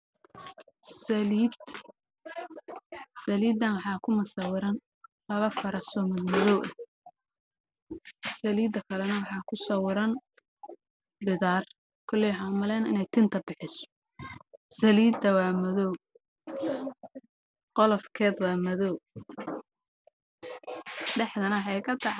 Halkaan waxaa ka muuqdo labo box oo ay ku jiraan saalida timo daadashada ka hor tagto